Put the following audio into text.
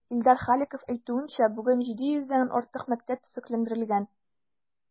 Илдар Халиков әйтүенчә, бүген 700 дән артык мәктәп төзекләндерелгән.